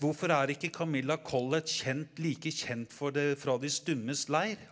hvorfor er ikke Camilla Collett kjent like kjent for det Fra De Stummes Leir?